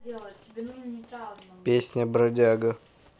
песня бродяга